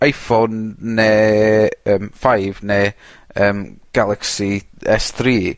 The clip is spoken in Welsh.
Iphone ne' yym five ne' yym galaxy es three